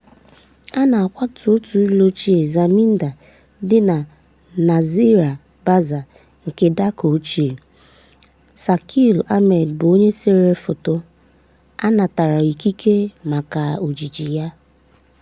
A na-akwatu otu ụlọ ochie Zaminadar dị na Nazira Bazar nke Dhaka Ochie. Shakil Ahmed bụ onye sere foto. A natara ikike maka ojiji ya.